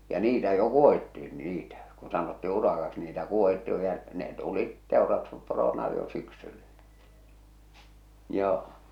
ja niitä jo kuohittiin niitä kun sanottiin urakaksi niitä kuohittiin jo ja ne olivat teurastusporona jo syksyllä joo